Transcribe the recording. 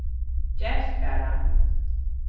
gevst bara